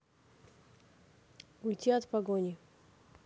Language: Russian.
уйти от погони